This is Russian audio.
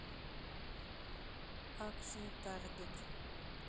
акшн таргет